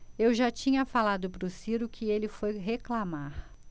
eu já tinha falado pro ciro que ele foi reclamar